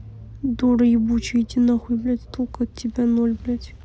дура ебучая иди нахуй блядь толку от тебя ноль блядь